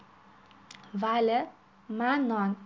vali ma non